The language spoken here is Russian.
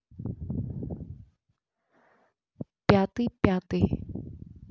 пятый пятый